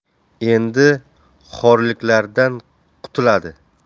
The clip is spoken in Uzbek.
endi xorliklardan qutuladi